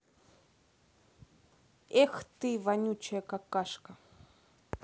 эх ты вонючая какашка